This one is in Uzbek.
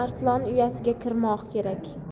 arslon uyasiga kirmoq kerak